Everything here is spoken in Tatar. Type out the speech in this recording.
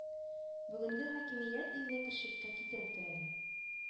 Бүгенге хакимият илне көрчеккә китереп терәде